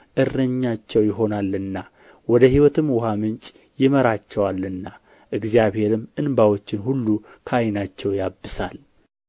እረኛቸው ይሆናልና ወደ ሕይወትም ውኃ ምንጭ ይመራቸዋልና እግዚአብሔርም እንባዎችን ሁሉ ከዓይናቸው ያብሳል